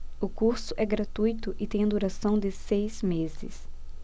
o curso é gratuito e tem a duração de seis meses